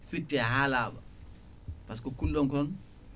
fitte ha laaɓa par ce que kullon kon